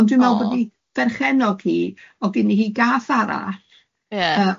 Ond dwi'n meddwl bod 'i perchennog hi, o'dd gini hi gath arall